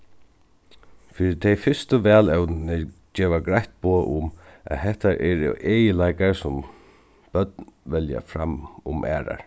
fyri tey fyrstu valevnini geva greitt boð um at hetta eru eginleikar sum børn velja fram um aðrar